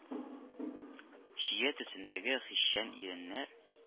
Чия төсендәге хисчән иреннәр